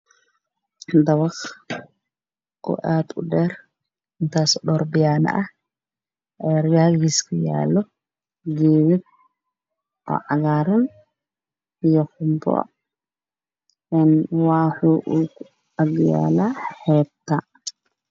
Waa daba qaadu dheer waxaa ka dambeeya bad midabkeedii yahay buluuk dabaqa waxaa ka hor yaalla meel banaan